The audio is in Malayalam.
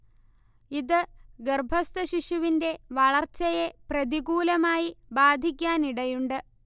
ഇതു ഗർഭസ്ഥശിശുവിന്റെ വളർച്ചയെ പ്രതികൂലമായി ബാധിക്കാനിടയുണ്ട്